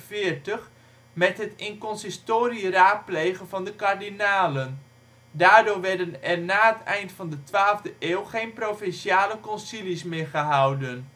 1141 met het " in consistorie " raadplegen van de kardinalen. Daardoor werden er na het eind van de 12e eeuw geen provinciale concilies meer gehouden